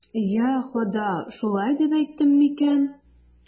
Йа Хода, шулай дип әйттем микән?